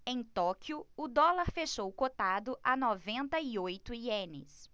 em tóquio o dólar fechou cotado a noventa e oito ienes